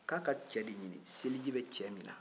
k'a ka cɛ de ɲinin seliji bɛ cɛ minna